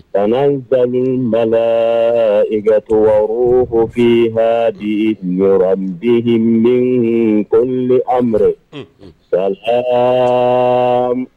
Sanban mana la i ka to bɛ hali di jɔyɔrɔ bɛ min ko an mara wala